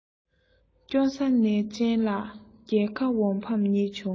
སྐྱོ སུན ཅན ལ རྒྱལ ཁ འོང ཕམ ཉེས བྱུང